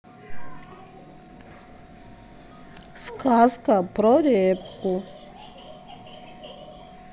сказка про репку